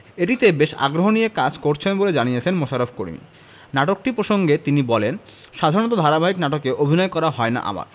এটিতে বেশ আগ্রহ নিয়ে কাজ করছেন বলে জানিয়েছেন মোশাররফ করিম নাটকটি প্রসঙ্গে তিনি বলেন সাধারণত ধারাবাহিক নাটকে অভিনয় করা হয় না আমার